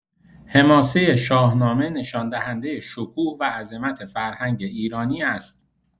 حماسۀ شاهنامه نشان‌دهندۀ شکوه و عظمت فرهنگ ایرانی است.